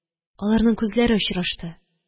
Аларның күзләре очрашты